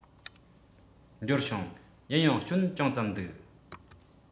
འབྱོར བྱུང ཡིན ཡང སྐྱོན ཅུང ཙམ འདུག